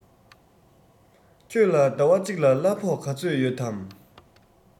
ཁྱོད ལ ཟླ བ གཅིག ལ གླ ཕོགས ག ཚོད ཡོད དམ